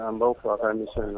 An b' fɔ k'anmi san